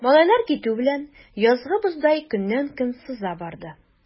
Малайлар китү белән, язгы боздай көннән-көн сыза барды.